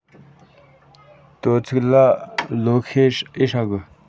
དོ ཚིགས ལ ལོ ཤེད ཨེ ཧྲ གི